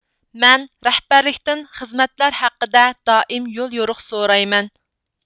مەن رەھبەرلىكتىن خىزمەتلەر ھەققىدە دائىم يوليورۇق سورايمەن